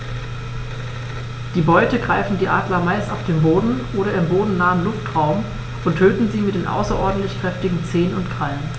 Die Beute greifen die Adler meist auf dem Boden oder im bodennahen Luftraum und töten sie mit den außerordentlich kräftigen Zehen und Krallen.